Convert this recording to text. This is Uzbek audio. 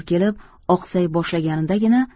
kelib oqsay boshlaganidagina